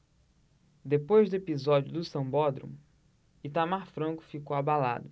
depois do episódio do sambódromo itamar franco ficou abalado